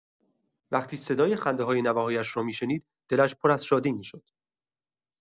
وقتی صدای خنده‌های نوه‌هایش را می‌شنید، دلش پر از شادی می‌شد.